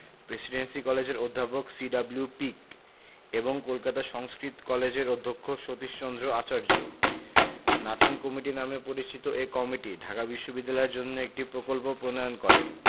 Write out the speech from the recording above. Presidency কলেজের অধ্যাপক C W Peake এবং কলকাতা সংস্কৃত কলেজের অধ্যক্ষ সতীশচন্দ্র আচার্য নাথান কমিটি নামে পরিচিত এ কমিটি ঢাকা বিশ্ববিদ্যালয়ের জন্য একটি প্রকল্প প্রণয়ন করেন